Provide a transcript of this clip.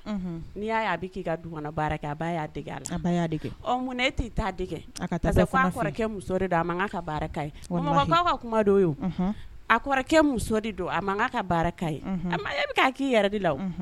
N'i munna a ka kuma a muso a ka baara ye a k' yɛrɛ la